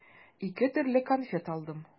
Ике төрле конфет алдым.